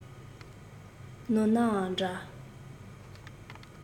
ནོར ནའང འདྲ